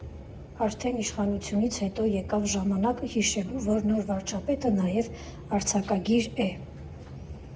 Արդեն իշխանափոխությունից հետո եկավ ժամանակը հիշելու, որ նոր վարչապետը նաև արձակագիր է.